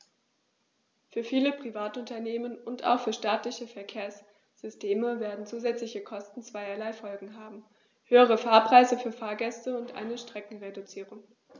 Für viele Privatunternehmen und auch für staatliche Verkehrssysteme werden zusätzliche Kosten zweierlei Folgen haben: höhere Fahrpreise für Fahrgäste und eine Streckenreduzierung.